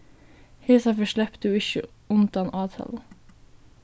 hesaferð sleppur tú ikki undan átalu